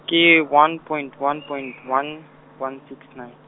ke one point one point one, one six nine.